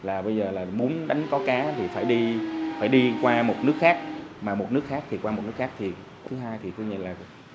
là bây giờ là muốn đánh có cá thì phải đi phải đi qua một nước khác mà một nước khác thì qua một người khác thì cái thứ hai thì có nghĩa là